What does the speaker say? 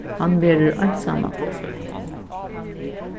hann verður einsamallur